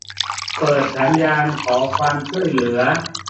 เปิดสัญญาณขอความช่วยเหลือ